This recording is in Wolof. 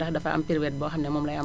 ndax dafa am période boo xam ne mooy lay am